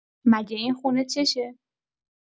مگه این خونه چشه؟!